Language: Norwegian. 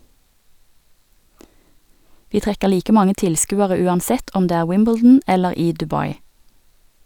Vi trekker like mange tilskuere uansett om det er Wimbledon eller i Dubai.